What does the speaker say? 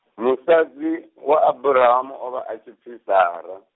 musadzi, wa Abrahamu o vha a tshi pfi Sara.